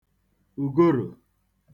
ùgorò